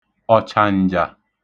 ọ̀chàǹjà